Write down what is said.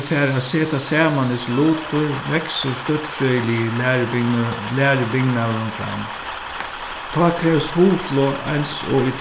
fara at seta saman hesir lutir veksur støddfrøðiligi lærubygnaðurin fram tá krevst hugflog eins og í